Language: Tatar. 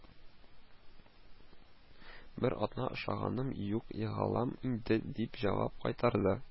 Бер атна ашаганым юк, егылам инде, – дип җавап кайтарды